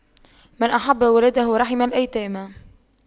من أحب ولده رحم الأيتام